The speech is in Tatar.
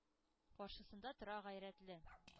Каршысында тора гайрәтле,